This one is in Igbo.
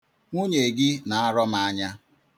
Nwunye gị na-arọ m anya.